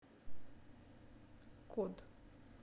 код